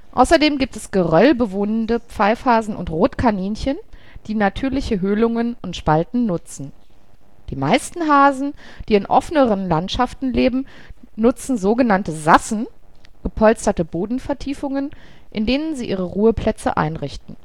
Außerdem gibt es geröllbewohnende Pfeifhasen und Rotkaninchen, die natürliche Höhlungen und Spalten nutzen. Die meisten Hasen, die in offeneren Landschaften leben, nutzen so genannte Sassen, gepolsterte Bodenvertiefungen, in denen sie ihre Ruheplätze einrichten